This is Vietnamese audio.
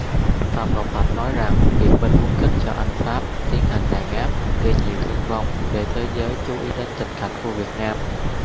phạm ngọc thạch nói rằng việt minh muốn khích cho anh pháp tiến hành đàn áp gây nhiều thương vong để thế giới chú ý đến tình cảnh của việt nam